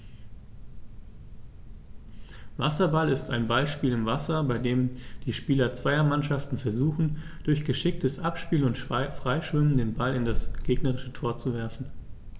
Wasserball ist ein Ballspiel im Wasser, bei dem die Spieler zweier Mannschaften versuchen, durch geschicktes Abspielen und Freischwimmen den Ball in das gegnerische Tor zu werfen.